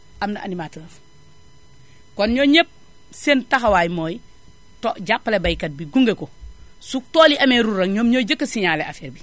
am na animateur kon ñooñu ñépp seen taxawaay mooy too jàppale baykat bi gunge ko su tool yi amee ruur rekk ñoom ñooy njëkk a signalé affaire bi